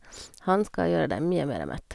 Han skal gjøre deg mye mere mett.